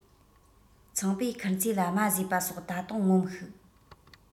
ཚངས པའི མཁུར ཚོས ལ རྨ བཟོས པ སོགས ད དུང ངོམས ཤིག